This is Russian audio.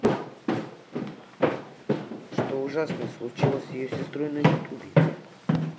что ужасное случилось с ее сестрой youtube